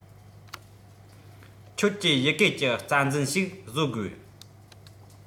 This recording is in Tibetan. ཁྱོད ཀྱིས ཡི གེ ཀྱི རྩ འཛིན ཞིག བཟོ དགོས